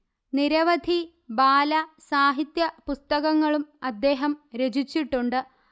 നിരവധി ബാല സാഹിത്യ പുസ്തകങ്ങളും അദ്ദേഹം രചിച്ചിട്ടുണ്ട്